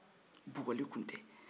bugɔli kun tɛ